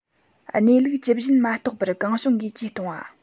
གནས ལུགས ཇི བཞིན མ རྟོགས པར གང བྱུང གིས ཇུས གཏོང བ